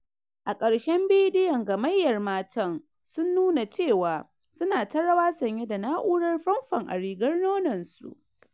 a karshen bidio gamayyar matan sun nuna cewa su na ta rawa sanye da nau’rar famfon a rigar nonon su.